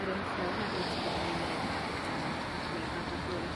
yr ymchwil hefyd sy 'di ca'l 'i wneud ar yym mae'n ca'l 'i adnabod